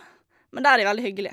Men der er de veldig hyggelige.